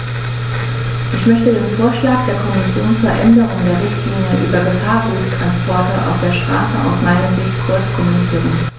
Ich möchte den Vorschlag der Kommission zur Änderung der Richtlinie über Gefahrguttransporte auf der Straße aus meiner Sicht kurz kommentieren.